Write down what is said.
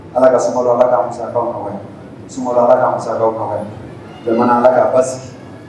Ala ka sumaworo ala ka masakaw sumaworo ala ka masakaw kɔnɔ jamanamana ala ka basi